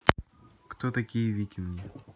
кто такие викинги